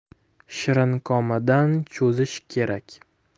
shirinkomadan cho'zish kerak